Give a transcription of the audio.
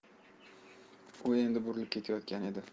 u endi burilib ketayotgan edi